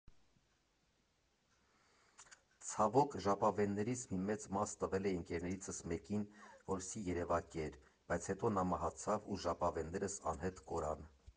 Ցավոք, ժապավեններիս մի մեծ մաս տվել էի ընկերներիցս մեկին, որպեսզի երևակեր, բայց հետո նա մահացավ ու ժապավեններս անհետ կորան։